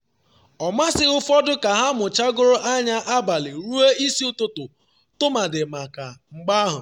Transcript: Ọ masịghị ụfọdụ ka ha mụchagoro anya abalị ruo isi ụtụtụ tụmadị maka mgba ahụ.